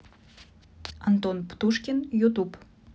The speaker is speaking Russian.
антон птушкин ютуб